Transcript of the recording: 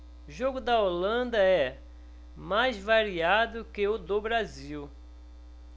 jogo da holanda é mais variado que o do brasil